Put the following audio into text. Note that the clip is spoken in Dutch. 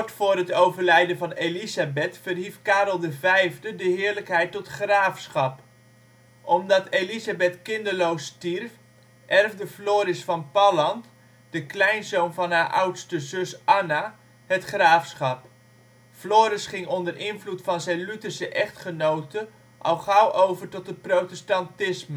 voor het overlijden van Elisabeth verhief Karel V de heerlijkheid tot graafschap. Omdat Elisabeth kinderloos stierf, erfde Floris van Pallandt, een kleinzoon van haar oudste zus Anna, het graafschap. Floris ging onder invloed van zijn Lutherse echtgenote al gauw over tot het protestantisme. Met